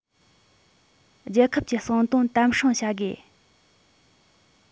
རྒྱལ ཁབ ཀྱི གསང དོན དམ སྲུང བྱ དགོས